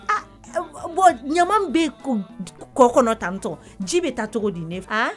Bon ɲama bɛ kɔ kɔnɔ tan ntɔn ji bɛ taa cogo di ne